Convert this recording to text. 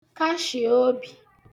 kashì obì